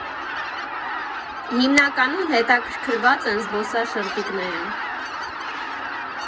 Հիմնականում հետաքրքրված են զբոսաշրջիկները։